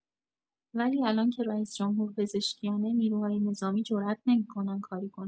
ولی الان که رئیس‌جمهور پزشکیانه، نیروهای نظامی جرئت نمی‌کنن کاری کنن!